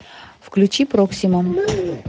включи проксима